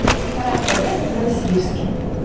парад победы в новосибирске